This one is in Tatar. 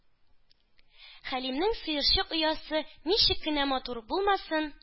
Хәлимнең сыерчык оясы, ничек кенә матур булмасын,